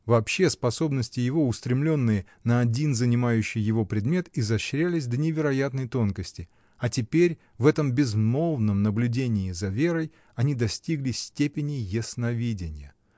Вообще способности его, устремленные на один, занимающий его предмет, изощрялись до невероятной тонкости, а теперь, в этом безмолвном наблюдении за Верой, они достигли степени ясновидения.